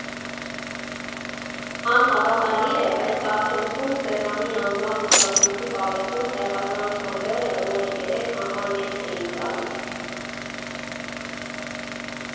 Անհավատալի է, բայց արդյունքում Սևյանի անվան մշակույթի պալատում տեղական խմբերը օրը երեք համաերգ էին տալիս։